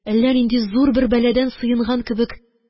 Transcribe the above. Әллә нинди зур бер бәладән сыенган кебек